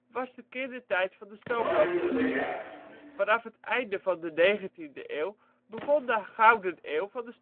was de kindertijd van de stoomlocomotief. Vanaf het einde van 19e eeuw begon de " gouden eeuw " van de stoomlocomotief